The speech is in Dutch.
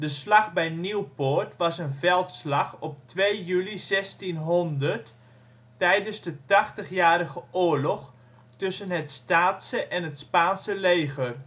Slag bij Nieuwpoort was een veldslag op 2 juli 1600 tijdens de Tachtigjarige Oorlog tussen het Staatse en het Spaanse leger